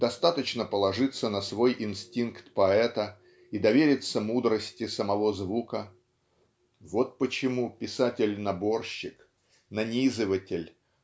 достаточно положиться на свой инстинкт поэта и довериться мудрости самого звука. Вот почему писатель-наборщик нанизыватель